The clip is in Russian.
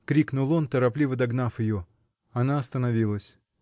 — кликнул он, торопливо догнав ее. Она остановилась.